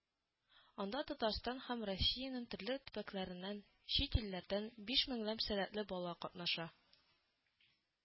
Анда Татарстан һәм Россиянең төрле төбәкләреннән, чит илләрдән биш меңләп сәләтле бала катнаша